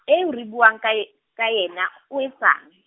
eo re buang ka ye-, ka yena, o etsang?